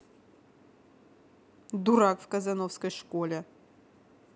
дурак в казанской школе